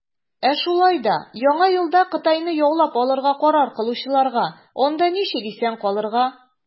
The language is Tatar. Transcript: Ә шулай да Яңа елда Кытайны яулап алырга карар кылучыларга, - анда ничек исән калырга.